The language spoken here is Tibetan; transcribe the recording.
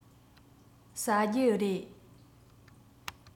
ཟ རྒྱུ རེད